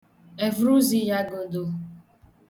èvụ̀rụzụ̀ị̀yagodo